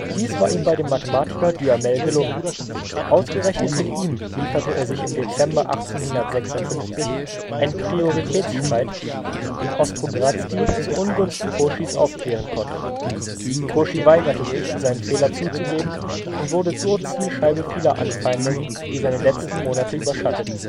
Dies war ihm bei dem Mathematiker Duhamel gelungen. Ausgerechnet mit ihm lieferte er sich im Dezember 1856 einen Prioritätsstreit, den Ostrogradski zu Ungunsten Cauchys aufklären konnte. Cauchy weigerte sich, seinen Fehler zuzugeben, und wurde so Zielscheibe vieler Anfeindungen, die seine letzten Monate überschatteten